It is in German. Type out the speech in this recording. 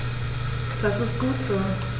Das ist gut so.